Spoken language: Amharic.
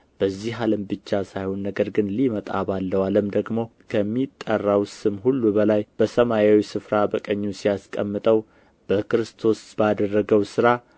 በዚህ ዓለም ብቻ ሳይሆን ነገር ግን ሊመጣ ባለው ዓለም ደግሞ ከሚጠራው ስም ሁሉ በላይ በሰማያዊ ስፍራ በቀኙ ሲያስቀምጠው በክርስቶስ ባደረገው ሥራ